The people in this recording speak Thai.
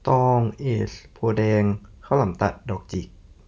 ตองเอซโพธิ์แดงข้าวหลามตัดดอกจิก